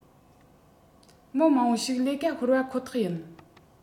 མི མང པོ ཞིག ལས ཀ ཤོར བ ཁོ ཐག ཡིན